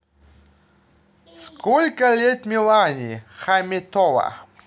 сколько лет милане хаметова